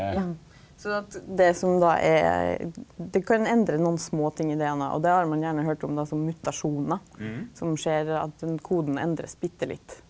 ja sånn at det som då er det kan endre nokon små ting i DNA, og det har ein gjerne høyrt om då som mutasjonar som skjer at den koden endrar seg bitte litt.